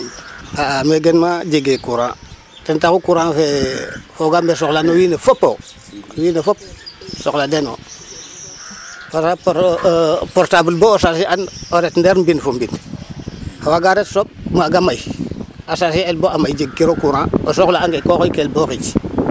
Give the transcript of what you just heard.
Xa'aa me genuma jegee courant ten taxu courant fe foogaam soxla no wiin we fop o wiin we fop soxla deno pora portable bo charger o ret ndeer mbiin fo mbiin waaga ret soɓ maaga may a charger el bo a may jegkiro courant ko xooy kel bo xij.